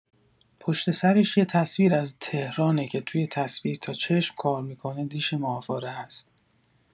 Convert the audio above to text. پشت سرش یه تصویر از تهرانه که توی تصویر تا چشم کار می‌کنه دیش ماهواره هست